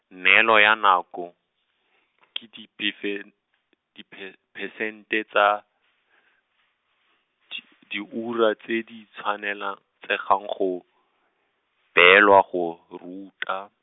neelo ya nako, ke diphesen-, diphe- phesente tsa, di- diura tse di Tshwane la, tsegang go, beelwa go, ruta.